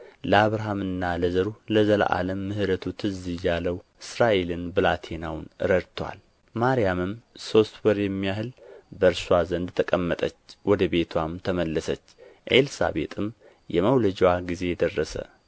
ለአብርሃምና ለዘሩ ለዘላለም ምሕረቱ ትዝ እያለው እስራኤልን ብላቴናውን ረድቶአል ማርያምም ሦስት ወር የሚያህል በእርስዋ ዘንድ ተቀመጠች ወደ ቤትዋም ተመለሰች የኤልሳቤጥም የመውለጃዋ ጊዜ ደረሰ